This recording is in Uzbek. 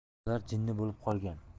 bular jinni bo'lib qolgan